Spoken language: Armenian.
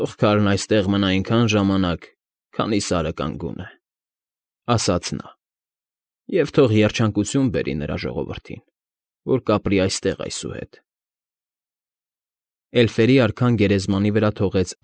Թող քարն այստեղ մնա այնքան ժամանակ, քանի Սարը կանգուն է,֊ ասաց նա։֊ Եվ թող երջանկություն բերի նրա ժողովրդին, որ կապրի այստեղ այսուհետ… Էլֆերի արքան գերեզմանի վրա թողեց։